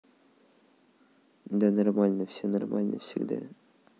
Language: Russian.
да нормально все нормально всегда